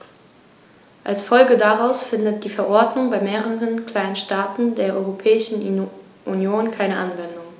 Als Folge daraus findet die Verordnung bei mehreren kleinen Staaten der Europäischen Union keine Anwendung.